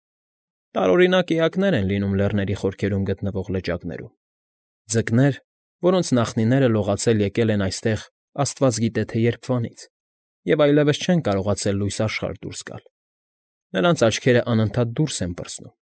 Տարօրինակ էակներ են լինում լեռների խորքերում գտնվող լճակներում. ձկներ, որոնց նախնիները լողացել եկել են այստեղ աստված գիտե թե երբվանից, և այլևս չեն կարողացել լույս աշխարհ դուրս գալ, նրանց աչքերն անընդհատ դուրս են պրծնում։